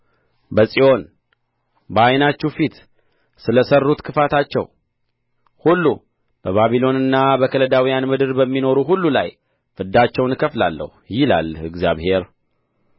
በጽዮን በዓይናችሁ ፊት ስለሠሩት ክፋታቸው ሁሉ በባቢሎንና በከለዳውያን ምድር በሚኖሩ ሁሉ ላይ ፍዳቸውን እከፍላለሁ ይላል እግዚአብሔር